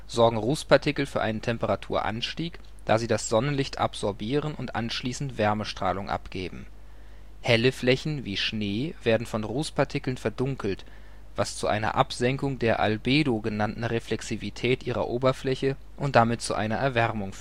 sorgen Rußpartikel für einen Temperaturanstieg, da sie das Sonnenlicht absorbieren und anschließend Wärmestrahlung abgeben. Helle Flächen wie Schnee werden von Rußpartikeln verdunkelt, was zu einer Absenkung der Albedo genannten Reflexivität ihrer Oberfläche und damit zu einer Erwärmung